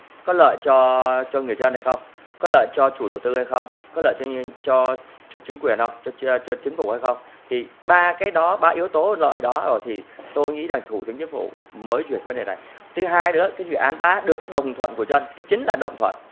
có lợi cho cho người dân hay không có lợi cho chủ đầu tư hay không có lợi cho nhiên cho cho chính quyền không cho chơ cho chính phủ hay không thì ba cái đó ba yếu tố lợi đó ờ thì tôi nghĩ rằng thủ tướng chính phủ mới duyệt vấn đề này thứ hai nữa cái dự án đã được đồng thuận của dân cái chính là đồng thuận